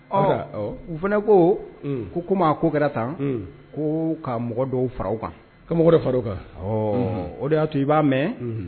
U fana ko komi a ko kɛra tan, un, ko ka mɔgɔ dɔw fara u kan, ka mɔgɔ fara u kan, awɔ, o de y'a to i b'a mɛn, unhun